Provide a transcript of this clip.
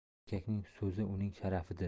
erkakning so'zi uning sharafidir